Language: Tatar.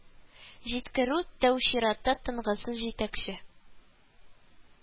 Җиткерү, тәү чиратта, тынгысыз җитәкче